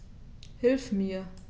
Hilf mir!